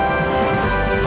đề